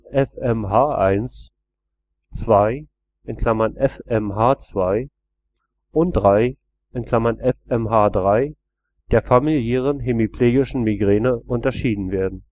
FMH1), II (FMH2) und III (FMH3) der familiären hemiplegischen Migräne unterschieden werden